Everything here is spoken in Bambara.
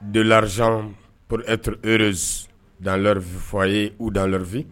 Don z pep rz dan fin fɔ a ye uu dan fin